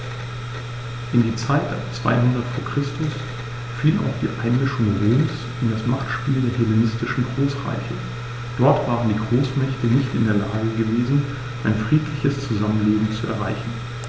In die Zeit ab 200 v. Chr. fiel auch die Einmischung Roms in das Machtspiel der hellenistischen Großreiche: Dort waren die Großmächte nicht in der Lage gewesen, ein friedliches Zusammenleben zu erreichen.